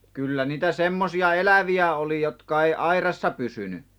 kyllä niitä semmoisia eläviä oli jotka ei aidassa pysynyt